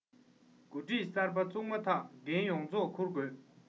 འགོ ཁྲིད གསར པ བཙུགས མ ཐག འགན ཡོངས རྫོགས འཁུར དགོས